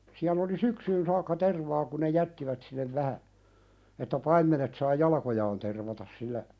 siellä oli syksyyn saakka tervaa kun ne jättivät sinne vähän että paimenet saa jalkojaan tervata sillä